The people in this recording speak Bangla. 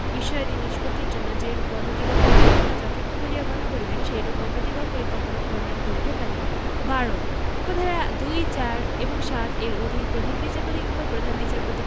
বিষয়াদি নিষ্পত্তির জন্য যেইরূপ পদ্ধতি বা পরিকল্পনা যথার্থ বলিয়া গণ্য করিবেন সেইরূপ পদ্ধতি বা পরিকল্পনা যথার্থ বলিয়া গণ্য করিবেন সেইরূপ পদ্ধতি কিংবা পরিকল্পনা প্রণয়ন করিতে পারিবেন ১২ উপ ধারা ২ ৪ এবং ৭ এর অধীন প্রধান বিচারপতি কিংবা প্রধান বিচারপতি